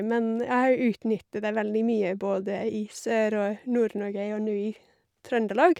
Men jeg har utnyttet det veldig mye både i Sør- og Nord-Norge og nå i Trøndelag.